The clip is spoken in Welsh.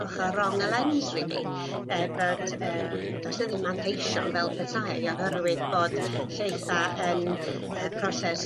ochor rong y lens rili. Yy fod yy do's 'a ddim manteision fel petai oherwydd bod lleitha yn yy proses